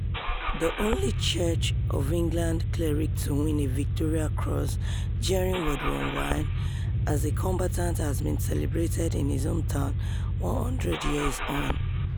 The only Church of England cleric to win a Victoria Cross during World War One as a combatant has been celebrated in his hometown 100 years on.